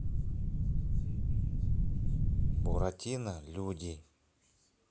буратино люди